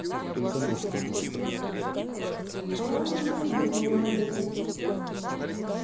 армия дроидов